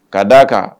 Ka d da' a kan